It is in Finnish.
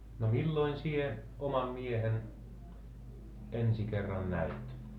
no milloin sinä oman miehen ensi kerran näit